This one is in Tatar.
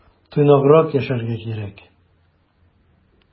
Тыйнаграк яшәргә кирәк.